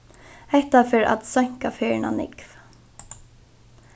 hetta fer at seinka ferðina nógv